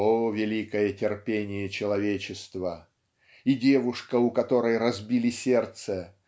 о, великое терпение человечества! И девушка у которой разбили сердце